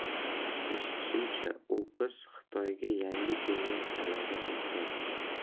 eshitishimcha u qiz xitoyga yangi kelgan talaba ekan